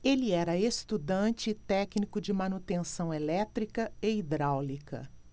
ele era estudante e técnico de manutenção elétrica e hidráulica